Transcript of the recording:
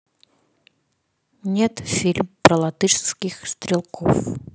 нет фильм про латышских стрелков